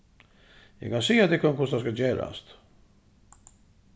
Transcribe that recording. eg kann siga tykkum hvussu tað skal gerast